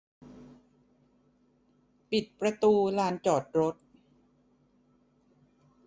ปิดประตูลานจอดรถ